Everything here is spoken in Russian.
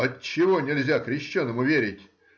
Отчего нельзя крещеному верить?